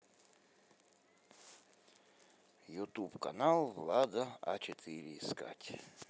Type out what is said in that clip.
ютуб канал влада а четыре искать